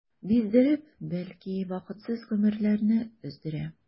Биздереп, бәлки вакытсыз гомерләрне өздерә.